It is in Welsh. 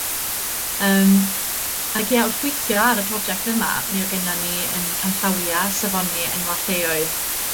Yym ac ia wrth weithio ar y project yma, mi o' gennyn ni 'yn canllawia safoni enwa' lleoedd